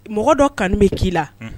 Mɔgɔ dɔ kanu bɛ k'i la